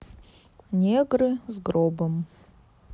негры с гробом